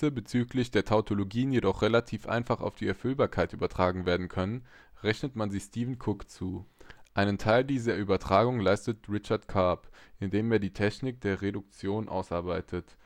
bezüglich der Tautologien jedoch relativ einfach auf die Erfüllbarkeit übertragen werden können, rechnet man sie Stephen Cook zu. Einen Teil dieser Übertragung leistet Richard Karp (1972), indem er die Technik der Reduktion ausarbeitet